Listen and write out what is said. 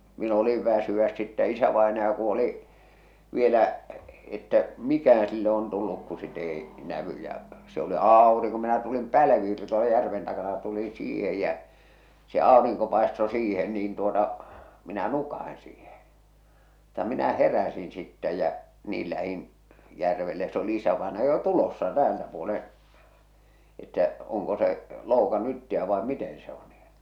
minä olin väsyä sitten isävainaja kun oli vielä että mikähän sille on tullut kun sitä ei näy ja se oli aurinko minä tulin pälvi oli tuolla järven takana ja tulin siihen ja se aurinko paistoi siihen niin tuota minä nukahdin siihen mutta minä heräsin sitten ja niin lähdin järvelle ja se oli isävainaja jo tulossa täältä puolen että onko se loukannut itsensä vai miten se on niin